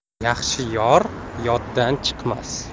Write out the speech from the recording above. yaxshi yor yoddan chiqmas